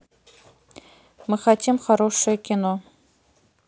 мы хотим хорошее кино